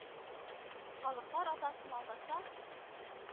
“халыклар атасы”н алдаса